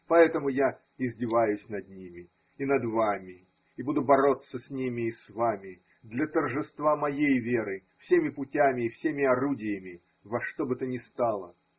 поэтому я издеваюсь над ними и над вами и буду бороться с ними и с вами, для торжества моей веры, всеми путями и всеми орудиями, во что бы то ни стало.